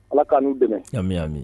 Ala k ka n'u dɛmɛ ɲamiyami